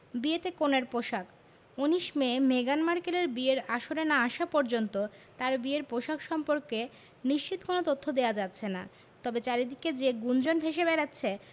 বিয়েতে কনের পোশাক ১৯ মে মেগান মার্কেলের বিয়ের আসরে না আসা পর্যন্ত তাঁর বিয়ের পোশাক সম্পর্কে নিশ্চিত কোনো তথ্য দেওয়া যাচ্ছে না তবে চারদিকে যে গুঞ্জন ভেসে বেড়াচ্ছে